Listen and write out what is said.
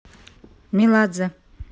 меладзе